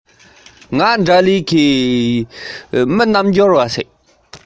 བྱིས པ དེ ཚོའི ནང ནས བྱིས པ